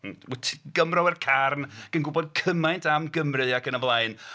m- wyt t- Gymro i'r carn ac yn gwbod cymaint am Gymru ac yn y blaen